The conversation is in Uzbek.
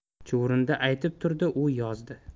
chuvrindi aytib turdi u yozdi